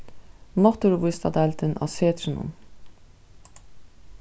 náttúruvísindadeildin á setrinum